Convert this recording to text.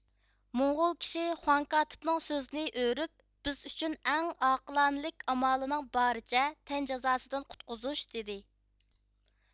موڭغۇل كىشى خۇاڭ كاتىپنڭ سۆزىنى ئۆرۈپ بىز ئۈچۈن ئەڭ ئاقلانىلىك ئامالنىڭ بارىچە تەن جازاسىدىن قۇتقۇزۇش دىدى